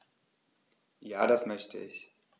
Ja, das möchte ich.